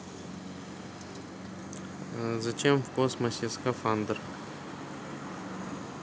зачем в космосе скафандр